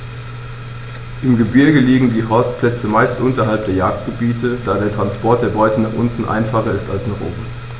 Im Gebirge liegen die Horstplätze meist unterhalb der Jagdgebiete, da der Transport der Beute nach unten einfacher ist als nach oben.